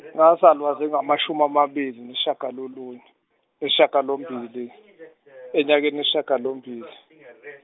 ngazalwa zingamashumi amabili nesishagalolunye nesishagalombili, onyakeni wesishagalombili .